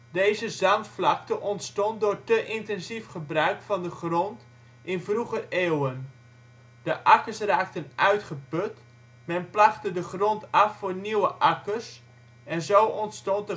Deze zandvlakte ontstond door te intensief gebruik van de grond in vroeger eeuwen. De akkers raakten uitgeput, men plagde de grond af voor nieuwe akkers, en zo ontstond